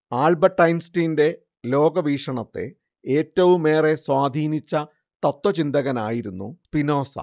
Albert ഐൻസ്റ്റൈന്റെ ലോകവീക്ഷണത്തെ ഏറ്റവുമേറെ സ്വാധീനിച്ച തത്ത്വചിന്തകനായിരുന്നു സ്പിനോസ